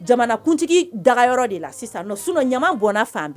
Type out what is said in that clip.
Jamanakuntigi dagayɔrɔ de la sisan ɲama bɔn fan bɛɛ